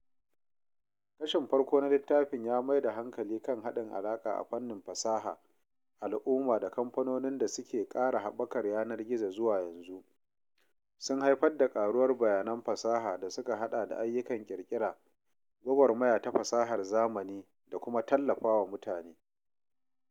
Kashin farko na littafin ya mai da hankali kan haɗin alaƙa a fannin fasaha, al’umma da kamfanonin da suke ƙara haɓakar yanar gizo zuwa yanzu, sun haifar da ƙaruwar “bayanan fasaha” da suka haɗa da ayyukan ƙirƙira, gwagwarmaya ta fasahar zamani, da kuma tallafawa mutane.